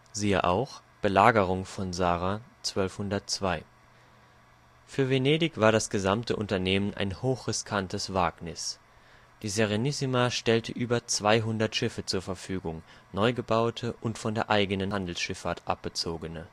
Siehe auch: Belagerung von Zara (1202) Für Venedig war das gesamte Unternehmen ein hochriskantes Wagnis. Die Serenissima stellte über 200 Schiffe zur Verfügung, neugebaute und von der eigenen Handelsschifffahrt abgezogene